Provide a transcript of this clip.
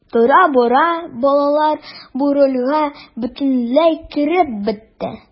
Тора-бара балалар бу рольгә бөтенләй кереп бетте.